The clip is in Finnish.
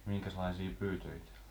minkäslaisia pyytöjä teillä oli